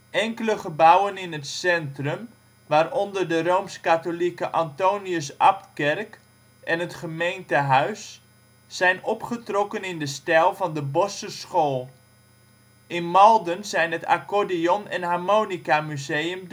Enkele gebouwen in het centrum, waaronder de Rooms-Katholieke Antonius Abtkerk en het gemeentehuis, zijn opgetrokken in de stijl van de Bossche school. In Malden zijn het accordeon - en harmonicamuseum